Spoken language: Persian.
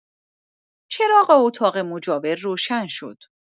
چراغ اطاق مجاور روشن شد.